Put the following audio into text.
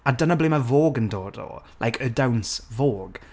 a dyna ble ma' Vogue yn dod o, like, y dawns, Vogue.